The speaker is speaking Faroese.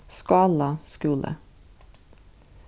skála skúli